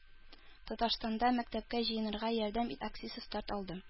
Татарстанда “Мәктәпкә җыенырга ярдәм ит!” акциясе старт алды